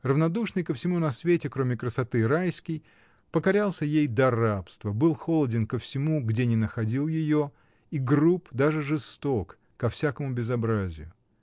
Равнодушный ко всему на свете, кроме красоты, Райский покорялся ей до рабства, был холоден ко всему, где не находил ее, и груб, даже жесток, ко всякому безобразию.